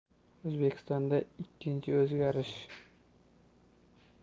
o'zbekistonda ikkinchi o'zgarish